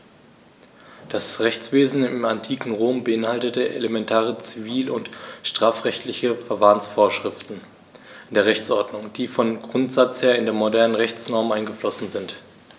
Das Rechtswesen im antiken Rom beinhaltete elementare zivil- und strafrechtliche Verfahrensvorschriften in der Rechtsordnung, die vom Grundsatz her in die modernen Rechtsnormen eingeflossen sind.